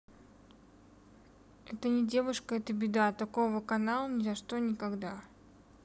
это не девушка это беда такого канал ни за что никогда